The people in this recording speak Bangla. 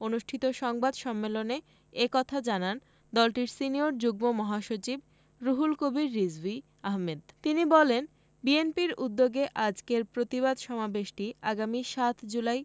অনুষ্ঠিত সংবাদ সম্মেলন এ কথা জানান দলটির সিনিয়র যুগ্ম মহাসচিব রুহুল কবির রিজভী আহমেদ তিনি বলেন বিএনপির উদ্যোগে আজকের প্রতিবাদ সমাবেশটি আগামী ৭ জুলাই